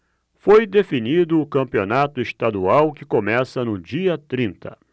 foi definido o campeonato estadual que começa no dia trinta